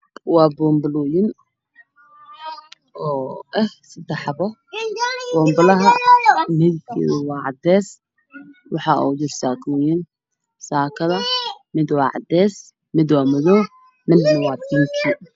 Waa banbalo waxaa ku jira saakooyin midabkooda ka kooban yahay madow cadaadis bombale kiisa waa caddaan